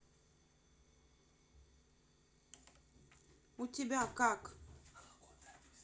у тебя как